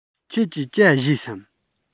ཁྱེད ཀྱིས ཇ བཞེས སམ